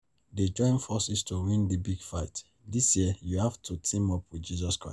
They join forces to win the big fight... this year you have to team up with Jesus Christ